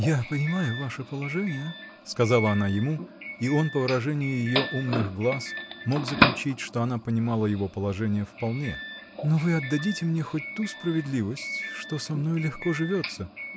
-- Я понимаю ваше положение, -- сказала она ему, -- и он, по выражению ее умных глаз, мог заключить, что она понимала его положение вполне, -- но вы отдадите мне хоть ту справедливость, что со мной легко живется